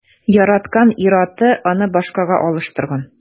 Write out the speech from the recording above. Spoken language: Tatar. Яраткан ир-аты аны башкага алыштырган.